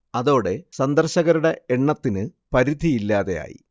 അതോടെ സന്ദർശകരുടെ എണ്ണത്തിന് പരിധിയില്ലാതെ ആയി